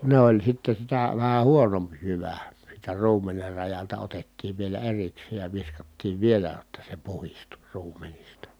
ne oli sitten sitä vähän huonompi jyvä siitä ruumenet rajalta otettiin vielä erikseen ja viskattiin vielä jotta se puhdistui ruumenista